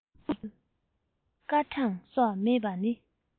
ཡིག རྒྱུགས སྐར གྲངས སོགས མེད པ ནི